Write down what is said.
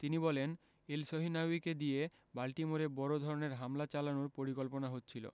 তিনি বলেন এলসহিনাউয়িকে দিয়ে বাল্টিমোরে বড় ধরনের হামলা চালানোর পরিকল্পনা হচ্ছিল